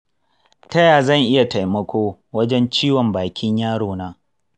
taya zan iya taimako wajen ciwon bakin yaro na?